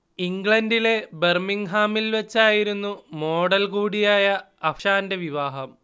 ഇംഗ്ലണ്ടിലെ ബർമിങ്ഹാമിൽ വെച്ചായിരുന്നു മോഡൽ കൂടിയായ അഫ്ഷാന്റെ വിവാഹം